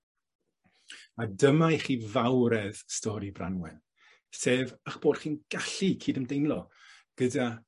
A dyma i chi fawredd stori Branwen, sef 'ych bod chi'n gallu cyd-ymdeimlo gyda